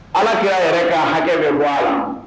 Alaki yɛrɛ ka hakɛ bɛ bɔ a la